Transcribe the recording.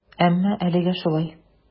Әмма әлегә шулай.